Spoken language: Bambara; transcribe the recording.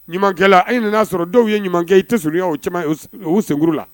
Ɲuman e nana'a sɔrɔ dɔw ye ɲumankɛ i teurun y' o cɛ u senkuru la